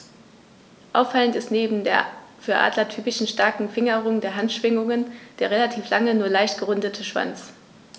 Auffallend ist neben der für Adler typischen starken Fingerung der Handschwingen der relativ lange, nur leicht gerundete Schwanz.